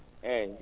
eeyi